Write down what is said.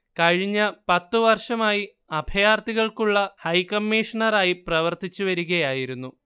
കഴിഞ്ഞ പത്തുവർഷമായി അഭയാർഥികൾക്കുളള ഹൈക്കമ്മീഷണറായി പ്രവർത്തിച്ച് വരികയായിരുന്നു